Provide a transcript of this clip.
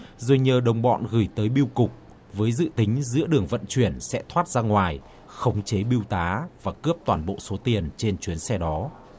dồi nhờ đồng bọn gửi tới bưu cục với dự tính giữa đường vận chuyển sẽ thoát ra ngoài khống chế bưu tá và cướp toàn bộ số tiền trên chuyến xe đó